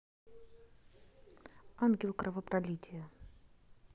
ангел кровопролития